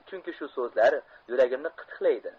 chunki shu so'zlar yuragimni qitiqlaydi